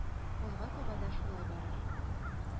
Алга таба да шулай барыр.